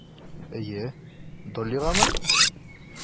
Әйе, Доллигамы?